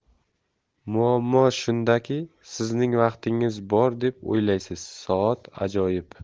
muammo shundaki sizning vaqtingiz bor deb o'ylaysiz soat ajoyib